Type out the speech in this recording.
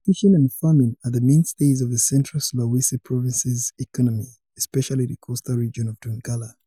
Fishing and farming are the mainstays of the Central Sulawesi province's economy, especially the coastal region of Donggala.